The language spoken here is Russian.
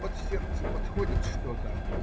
Под сердце подходит что-то.